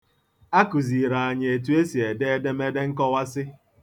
A kụziiri anyị etu e ede edemede nkọwasị.